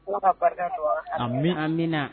Ko ka barika don ami a amina